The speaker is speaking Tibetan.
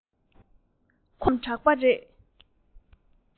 ཁོང པན ཆེན བསོད ནམས གྲགས པ རེད